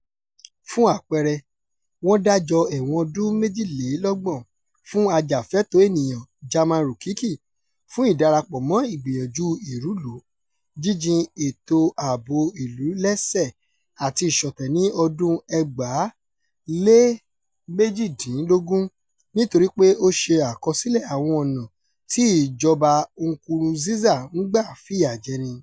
Fún àpẹẹrẹ, wọ́n dájọ́ ẹ̀wọ̀n ọdún méjìlélọ́gbọ̀n fún ajàfẹ́tọ̀ọ́ ènìyàn Germain Rukiki fún ìdarapọ̀ mọ́ ìgbìyànjú ìrúlùú, jíjin ètò ààbò ìlú lẹ́sẹ̀, àti ìṣọ̀tẹ̀ ní 2018 nítorí pé ó ṣe àkọsílẹ̀ àwọn ọ̀nà tí ìjọba Nkurunziza ń gbà fìyà jẹni.